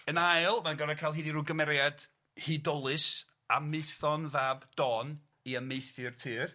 Yn ail mae'n gor'o' cael hyd i ryw gymeriad hudolus Amaethon fab Don i amaethu'r tir.